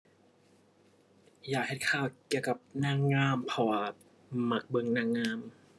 อยากเฮ็ดข่าวเกี่ยวกับนางงาม เพราะว่ามักเบิ่งนางงาม